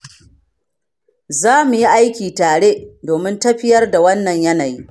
za mu yi aiki tare domin tafiyar da wannan yanayin.